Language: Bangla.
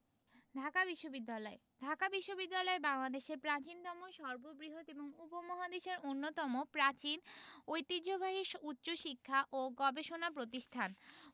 ঢাকা বিশ্ববিদ্যালয় ঢাকা বিশ্ববিদ্যালয় বাংলাদেশের প্রাচীনতম সর্ববৃহৎ এবং উপমহাদেশের অন্যতম প্রাচীন ঐতিহ্যবাহী উচ্চশিক্ষা ও গবেষণা প্রতিষ্ঠান